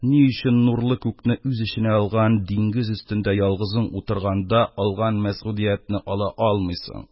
Ни өчен нурлы күкне үз эченә алган диңгез өстендә ялгызың утырганда алган мәсгудиятне ала алмыйсың?